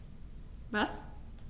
Was?